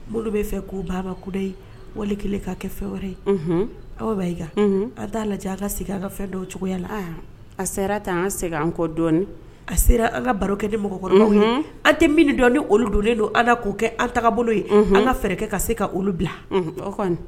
Bolo bɛ fɛ ko babada ye wali kelen ka kɛ fɛ wɛrɛ ye aw b'ayi aw t'a lajɛ a ka segin an ka fɛ dɔw cogoyaya la a sera ta an segin an kɔ dɔɔninɔni a sera an ka barokɛ di mɔgɔ ye an tɛ mi dɔn ni olu donlen don ala k'o kɛ an ta bolo ye an ka fɛɛrɛ ka se ka olu bila o